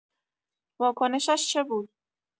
واکنشش چه بود؟